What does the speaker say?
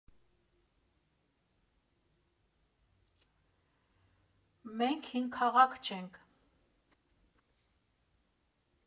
Մենք հին քաղաք չենք։